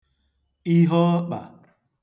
ihe ọkpà